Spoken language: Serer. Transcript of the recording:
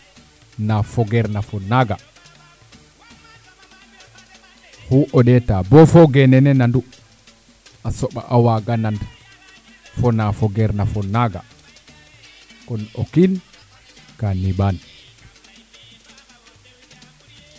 naa fogeer na fo naaga oxu o ndeeta bo foge nene nandu a soɓa a waaga nan fo na fogeer na naaga kon o kiin ka ne ɓaan